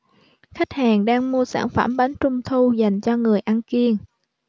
khách hàng đang mua sản phẩm bánh trung thu dành cho người ăn kiêng